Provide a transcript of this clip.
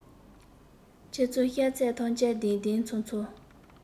ཁྱོད ཀྱིས བཤད ཚད ཐམས ཅད བདེན བདེན འཆོལ འཆོལ